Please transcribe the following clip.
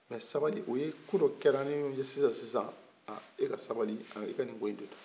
mɛ sabali o ye kodɔ kɛra min ye sisan sisan a eka sabali e ka nin kow to tan